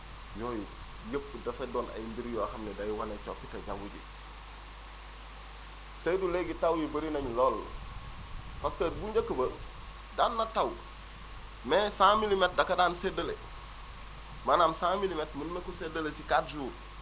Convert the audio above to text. ñooñu ñëpp dafa doon ay mbir yoo xam ne day wane coppite jaww ji Seydou léegi taw yi bëri nañu lool parce que bu njëkk ba daan na taw mais 100 milimètres da ka daan séddale maanaam 100 milimètres mën na ko séddale si 4 jours